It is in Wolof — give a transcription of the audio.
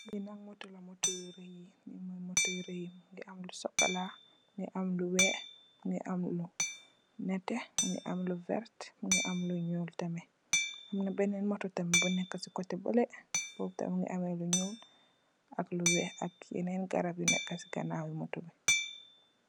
Li nak moto la, Moto yu rëy. Moto rëy nung am lu sokola, mungi am lu weeh, mungi am lu nètè, mungi am lu vert, mungi am lu ñuul tamit. Amna benen moto tamit bu nekka ci kotè balè. Bop tamit mungi ameh lu ñuul ak lu weeh ak yenen garab yu nekka ci ganaaw Moto bi.